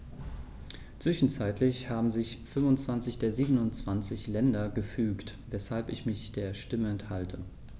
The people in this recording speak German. Zwischenzeitlich haben sich 25 der 27 Länder gefügt, weshalb ich mich der Stimme enthalte.